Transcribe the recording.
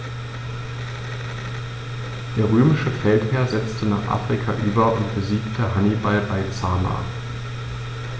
Der römische Feldherr setzte nach Afrika über und besiegte Hannibal bei Zama.